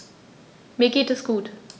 Mir geht es gut.